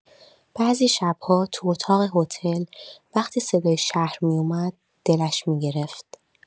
بعضی شب‌ها تو اتاق هتل، وقتی صدای شهر می‌اومد، دلش می‌گرفت.